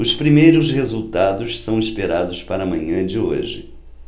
os primeiros resultados são esperados para a manhã de hoje